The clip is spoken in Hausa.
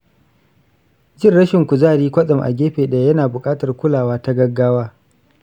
jin rashin kuzari kwatsam a gefe ɗaya yana buƙatar kulawa ta gaggawa.